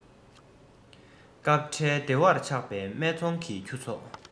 སྐབས འཕྲལ བདེ བར ཆགས པའི སྨད འཚོང གི ཁྱུ ཚོགས